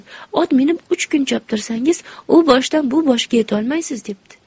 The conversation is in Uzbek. ot minib uch kun choptirsangiz u boshidan bu boshiga yetolmaysiz debdi